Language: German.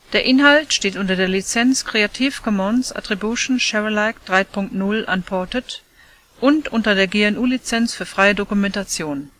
Der Inhalt steht unter der Lizenz Creative Commons Attribution Share Alike 3 Punkt 0 Unported und unter der GNU Lizenz für freie Dokumentation